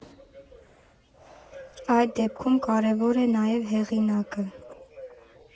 Այս դեպքում կարևոր է նաև հեղինակը.